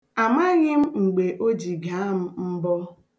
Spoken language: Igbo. Amaghị m mgbe o ji gaa m mbọ.